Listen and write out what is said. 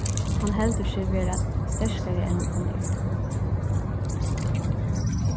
hann heldur seg vera sterkari enn hann er